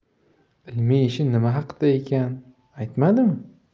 ilmiy ishi nima haqda ekan aytmadimi